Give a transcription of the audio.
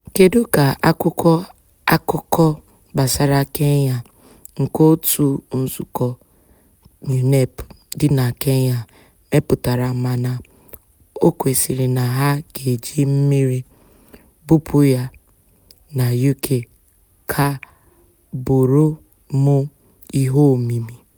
kedu ka akwụkwọ akụkọ gbasara Kenya nke òtù nzukọ (UNEP) dị na Kenya mepụtara mana o kwesịrị na ha ga-eji mmịrị bụpụ ya na UK ka bụrụ mụ iheomimi.